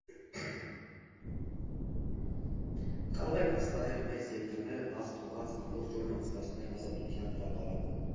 Կարող եք վստահել մեզ, և դռները բաց թողած՝ ամբողջ օրն անցկացնել Ազատության հրապարակում։